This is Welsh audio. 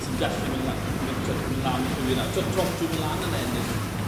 sy'n gallu my' la- myn' t'wod myn' lan y rhywie nawr t'wo' Tom Dumoulin yn ennill